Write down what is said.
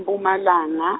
Mpumalanga.